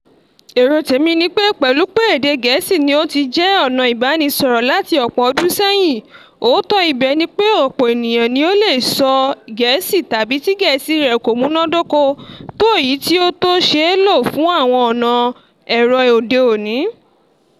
Èro tèmí ni pé pẹ́lú pé èdè Gẹ̀ẹ́sì ni ó ti jẹ́ ọ̀nà ìbánisọ̀rọ̀ láti ọ̀pọ̀ ọdún sẹ́yìn, òótọ́ ibẹ̀ ni pé ọ̀pọ̀ eèyàn ni ò lè sọ Gẹ̀ẹ́sì tàbí tí Gẹ̀ẹ́sì rẹ̀ kó múnàdóko tó èyí tí tó ṣéè ló fún àwọn ọ̀nà ẹ̀rọ òde òní.